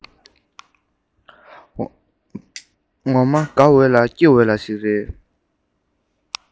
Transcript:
ངོ མ དགའ འོས ལ སྐྱིད འོས པ ཞིག རེད